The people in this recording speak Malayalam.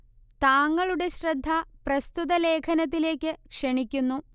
താങ്ങളുടെ ശ്രദ്ധ പ്രസ്തുത ലേഖനത്തിലേക്ക് ക്ഷണിക്കുന്നു